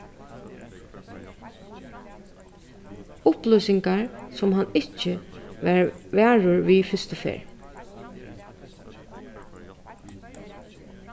upplýsingar sum hann ikki var varur við fyrstu ferð